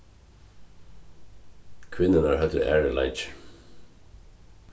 kvinnurnar høvdu aðrar leikir